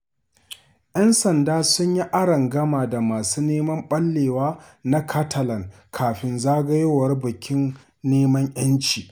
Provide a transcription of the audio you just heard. ’Yan sanda sun yi arangama da masu neman ɓallewa na Catalan kafin zagayowar bikin neman ‘yanci